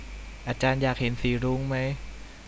อาจารย์อยากเห็นสีรุ้งมั้ย